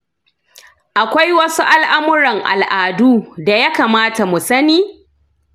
akwai wasu al’amuran al’adu da ya kamata mu sani?